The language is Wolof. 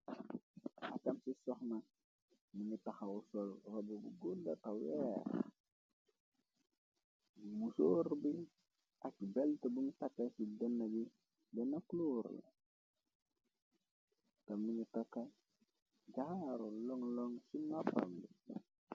Akam ci soxna mini taxaw sol rab bu gudda ka weex mu sóor bi ak belt buñu taka ci dën gi dena clor tam mini takka jaaru lon lon ci noppam bi.